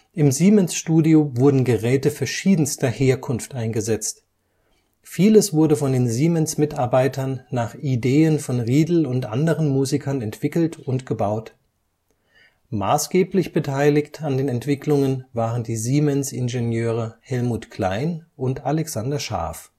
Im Siemens-Studio wurden Geräte verschiedenster Herkunft eingesetzt. Vieles wurde von den Siemens-Mitarbeitern nach Ideen von Riedl und anderen Musikern entwickelt und gebaut. Maßgeblich beteiligt an den Entwicklungen waren die Siemens-Ingenieure Helmut Klein und Alexander Schaaf